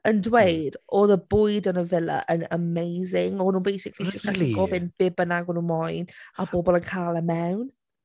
yn dweud oedd y bwyd yn y villa yn amazing. O'n nhw basically... rili? ...yn gallu gofyn be bynnag maen nhw'n moyn a oedd pobl yn cael e mewn.